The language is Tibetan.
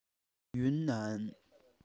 ཡུན ནན